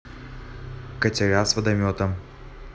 катера с водометом